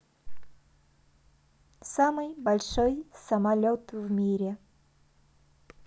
самый большой самолет в мире